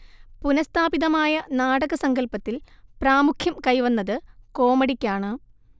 പുനഃസ്ഥാപിതമായ നാടകസങ്കല്പത്തിൽ പ്രാമുഖ്യം കൈവന്നത് കോമഡിക്കാണ്